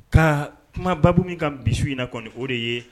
Ka kumababu min ka misi in na kɔni o de ye